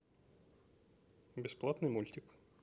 бесплатный мультик